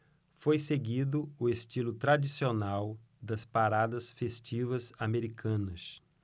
foi seguido o estilo tradicional das paradas festivas americanas